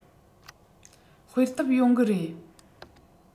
སྤེལ ཐུབ ཡོང གི རེད